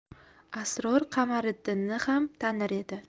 asror qamariddinni xam tanir edi